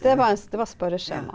det var en det var spørreskjema.